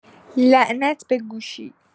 لعنت به گوشی